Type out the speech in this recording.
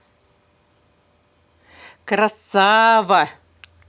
красава